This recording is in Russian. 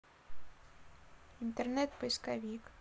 интернет поисковик